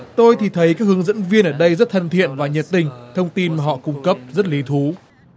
tôi thì thấy các hướng dẫn viên ở đây rất thân thiện và nhiệt tình thông tin họ cung cấp rất lý thú